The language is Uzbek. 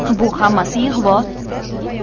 bu hammasi ig'vo